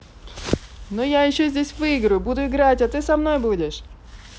но я еще здесь выиграю буду играть а ты со мной будешь